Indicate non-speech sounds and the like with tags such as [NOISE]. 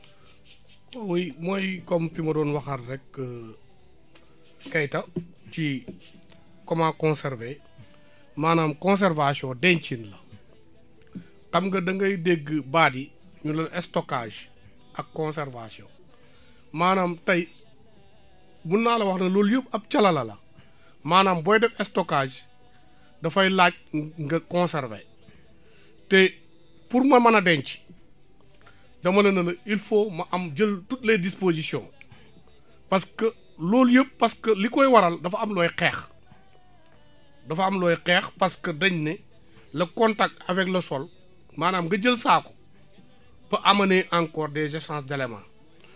[NOISE] oui mooy comme fi ma doon waxaat rek [HESITATION] Keita ci comment conserver maanaam conservation dencin la xam nga da ngay dégg baat yi ñu ne la stockage ak conservation maanaam tey mun naala wax ne loolu yëpp ab calala la maanaam booy def stockage dafay laaj nga consezrver te pour nga mën a denc damale na la il faut ma am jël toutes les dispositions parce que loolu yëpp parce que li koy waral dafa am looy xeex dafa am looy xeex parce que dañ ne le contact avec le sol maanaam nga jël saako peut amener encore des échange d' éléments